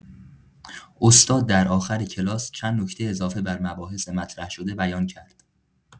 استاد در آخر کلاس، چند نکته اضافه بر مباحث مطرح‌شده بیان کرد.